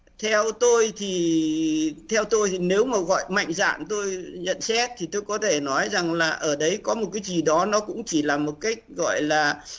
theo tôi thì theo tôi nếu mà gọi mạnh dạn tôi nhận xét thì tôi có thể nói rằng là ở đấy có một cái gì đó nó cũng chỉ là một cách gọi là